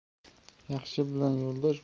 yaxshi bilan yo'ldosh